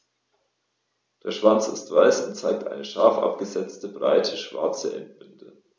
Der Schwanz ist weiß und zeigt eine scharf abgesetzte, breite schwarze Endbinde.